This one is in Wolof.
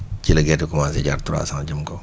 ci la gerte commencé jar trois cent jëm kaw